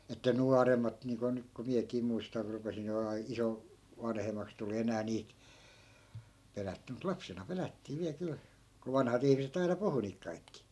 että nuoremmat niin kuin nyt kun minäkin muistan rupesin olemaan - vanhemmaksi tuli enää niitä pelätty mutta lapsena pelättiin vielä kyllä kun vanhat ihmiset aina puhui niitä kaikki